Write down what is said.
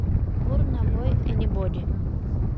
burna boy anybody